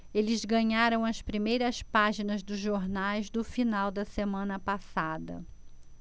eles ganharam as primeiras páginas dos jornais do final da semana passada